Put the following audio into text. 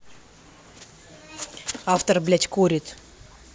автор блядь курит